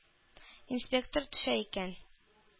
Инспектор төшә икән.